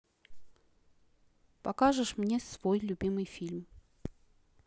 покажешь мне свой любимый фильм